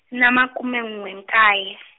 ni na makume n'we nkaye .